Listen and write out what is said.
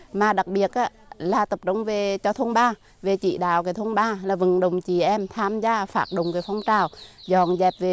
mà đặc biệt là tập trung về cho thôn ba về chỉ đạo về thôn ba là vận động chị em tham gia phát động phong trào dọn dẹp vệ